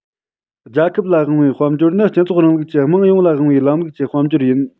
རྒྱལ ཁབ ལ དབང བའི དཔལ འབྱོར ནི སྤྱི ཚོགས རིང ལུགས ཀྱི དམངས ཡོངས ལ དབང བའི ལམ ལུགས ཀྱི དཔལ འབྱོར ཡིན